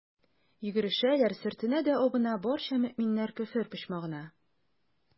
Йөгерешәләр, сөртенә дә абына, барча мөэминнәр «Көфер почмагы»на.